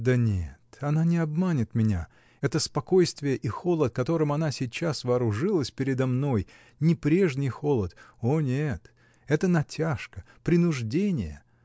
Да нет, она не обманет меня: это спокойствие и холод, которым она сейчас вооружилась передо мной, не прежний холод — о, нет! это натяжка, принуждение.